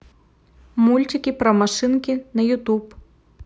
мультики про машинки на ютуб